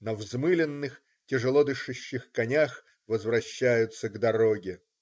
На взмыленных, тяжело дышащих конях возвращаются к дороге.